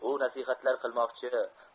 u nasihatlar qilmoqchi